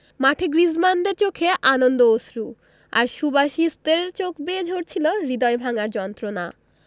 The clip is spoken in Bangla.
মাঠে গ্রিজমানদের চোখে আনন্দ অশ্রু আর সুবাসিচদের চোখ বেয়ে ঝরছিল হৃদয় ভাঙার যন্ত্রণা